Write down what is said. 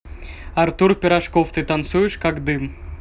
артур пирожков ты танцуешь как дым